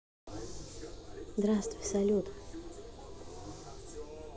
здравствуй салют